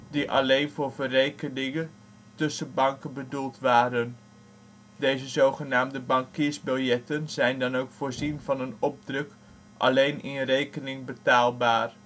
die alleen voor verrekening tussen banken bedoeld waren. Deze zgn. Bankiersbiljetten zijn dan ook voorzien van een opdruk " Alleen in rekening betaalbaar